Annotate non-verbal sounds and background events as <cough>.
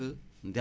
<hesitation> <hesitation>